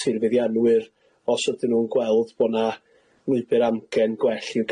tirfeiddianwyr os ydyn n'w'n gweld bo' 'na lwybyr amgen gwell i'w